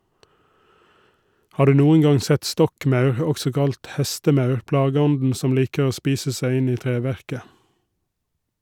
Har du noen gang sett stokkmaur, også kalt hestemaur, plageånden som liker å spise seg inn i treverket?